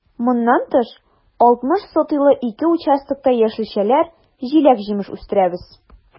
Моннан тыш, 60 сотыйлы ике участокта яшелчәләр, җиләк-җимеш үстерәбез.